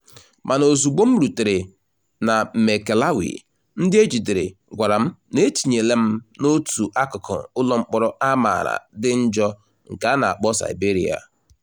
Mana ozugbo m rutere na Maekelawi, ndị e jidere gwara m na etinyela m n’otu akụkụ ụlọmkpọrọ a maara dị njọ nke a na-akpọ “Siberia”.